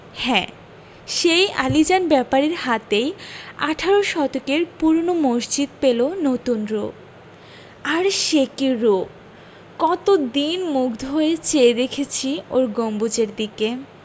হ্যাঁ সেই আলীজান ব্যাপারীর হাতেই আঠারো শতকের পুরোনো মসজিদ পেলো নতুন রুপ আর সে কি রুপ কতদিন মুগ্ধ হয়ে চেয়ে দেকেছি ওর গম্বুজের দিকে